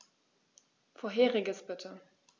Vorheriges bitte.